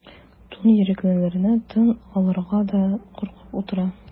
Туң йөрәклеләр тын алырга да куркып утыра.